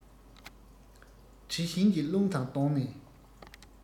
དྲི བཞིན གྱི རླུང དང བསྡོངས ནས